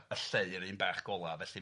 Y lleu yr un bach gola, felly